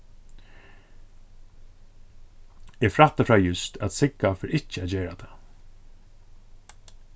eg frætti frá júst at sigga fer ikki at gera tað